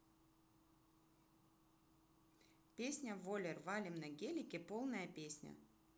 песня voler валим на гелике полная песня